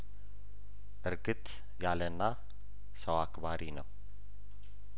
እር ግት ያለና ሰው አክባሪ ነው